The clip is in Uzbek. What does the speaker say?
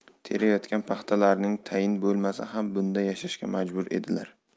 terayotgan paxtalarining tayini bo'lmasa ham bunda yashashga majbur edilar